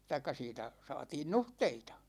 tai siitä saatiin nuhteita